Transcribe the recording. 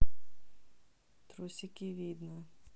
трусики видно